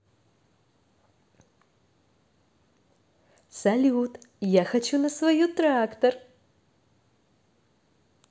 салют я хочу на свою трактор